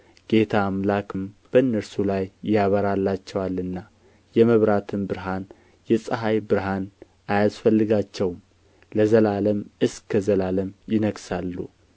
ጌታ አምላክም በእነርሱ ላይ ያበራላቸዋልና የመብራት ብርሃንና የፀሐይ ብርሃን አያስፈልጋቸውም ለዘላለምም እስከ ዘላለም ይነግሣሉ